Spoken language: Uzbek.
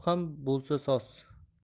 ham bo'lsa soz